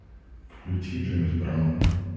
включи джеймс браун